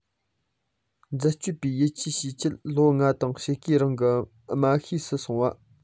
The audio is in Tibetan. འཛད སྤྱོད པའི ཡིད ཆེས བྱས ཚད ལོ ལྔ དང ཕྱེད ཀའི རིང གི དམའ ཤོས སུ སོང བ